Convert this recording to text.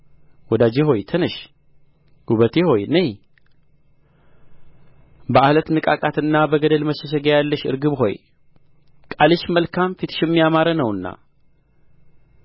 ወዳጄ ሆይ ተነሺ ውበቴ ሆይ ነዪ በዓለት ንቃቃትና በገደል መሸሸጊያ ያለሽ ርግብ ሆይ ቃልሽ መልካም ፊትሽም ያማረ ነውና